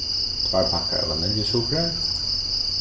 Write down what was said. tveir pakkar av vaniljusukri